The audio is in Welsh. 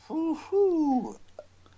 Hŵ hŵ.